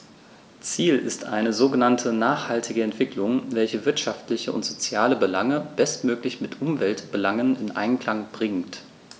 Ziel ist eine sogenannte nachhaltige Entwicklung, welche wirtschaftliche und soziale Belange bestmöglich mit Umweltbelangen in Einklang bringt.